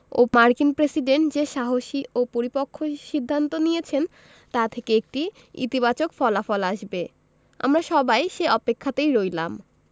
ও মার্কিন প্রেসিডেন্ট যে সাহসী ও পরিপক্ব সিদ্ধান্ত নিয়েছেন তা থেকে একটি ইতিবাচক ফলাফল আসবে আমরা সবাই সে অপেক্ষাতেই রইলাম